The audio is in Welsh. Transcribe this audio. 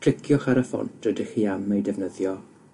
Cliciwch ar y ffont rydych chi am ei defnyddio